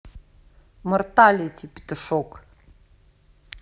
mortality петушок